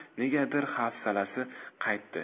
negadir hafsalasi qaytdi